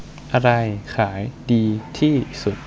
อะไรขายดีที่สุด